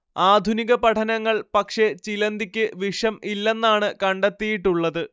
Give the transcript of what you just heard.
ആധുനിക പഠനങ്ങൾ പക്ഷേ ചിലന്തിക്ക് വിഷം ഇല്ലെന്നാണ് കണ്ടെത്തിയിട്ടുള്ളത്